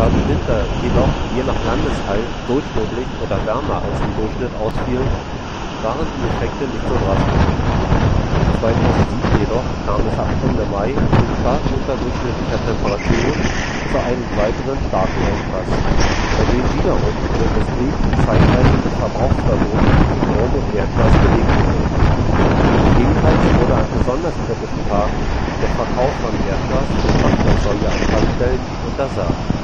die Winter jedoch je nach Landesteil durchschnittlich oder wärmer als im Durchschnitt ausfielen, waren die Effekte nicht so drastisch. 2007 jedoch kam es ab Ende Mai wegen stark unterdurchschnittlicher Temperaturen zu einem weiteren starken Engpass, bei dem wiederum die Industrie zeitweise mit Verbrauchsverboten für Strom und Erdgas belegt wurde. Ebenfalls wurde an besonders kritischen Tagen der Verkauf von Erdgas für Kraftfahrzeuge an Tankstellen untersagt